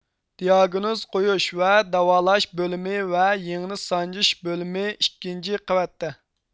دىئاگنوز قويۇش ۋە داۋالاش بۆلۈمى ۋە يىڭنە سانجىش بۆلۈمى ئىككىنجى قەۋەتتە